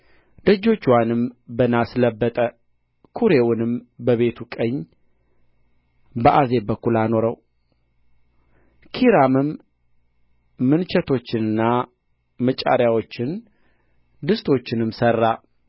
ደጆቻቸውንም በናስ ለበጠ ኵሬውንም በቤቱ ቀኝ በአዜብ በኩል አኖረው ኪራምም ምንቸቶቹንና መጫሪያዎቹን ድስቶቹንም ሠራ